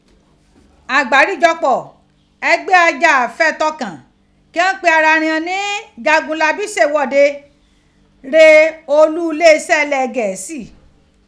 Agbarijọpọ ẹgbẹ ajafẹtọ kan ki ghan pe ara righan ni Jagunlabí ṣeghọde re olu ileeṣẹ ilẹ Gẹeṣi.